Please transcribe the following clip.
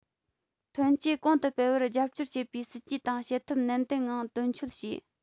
ཐོན སྐྱེད གོང དུ སྤེལ བར རྒྱབ སྐྱོར བྱེད པའི སྲིད ཇུས དང བྱེད ཐབས ནན ཏན ངང དོན འཁྱོལ བྱས